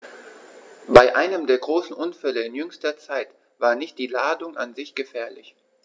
Bei einem der großen Unfälle in jüngster Zeit war nicht die Ladung an sich gefährlich.